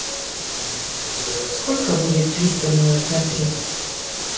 сколько будет триста умножить на три